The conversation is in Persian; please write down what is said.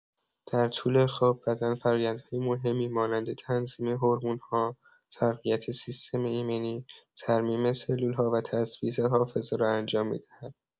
در طول خواب، بدن فرآیندهای مهمی مانند تنظیم هورمون‌ها، تقویت سیستم ایمنی، ترمیم سلول‌ها و تثبیت حافظه را انجام می‌دهد.